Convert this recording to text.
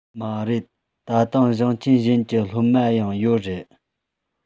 མ རེད ད དུང ཞིང ཆེན གཞན གྱི སློབ མ ཡང ཡོད རེད